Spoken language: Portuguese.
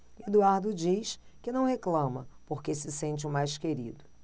eduardo diz que não reclama porque se sente o mais querido